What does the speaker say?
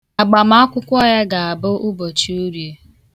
Agbamaakwụkwọ ya ga-abụ ụbọchị Orie.